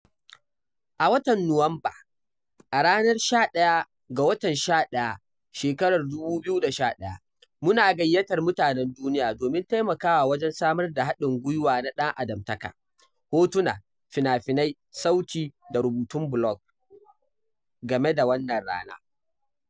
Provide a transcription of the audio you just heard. A watan Nuwamba, a ranar 11/11/11, muna gayyatar mutanen duniya domin taimakawa wajen samar da haɗin gwiwa na ɗan-adamtaka: hotuna, fina-finai, sauti, da rubutun blog game da wannan rana.